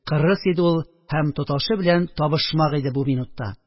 Кырыс иде ул һәм тоташы белән табышмак иде бу минутта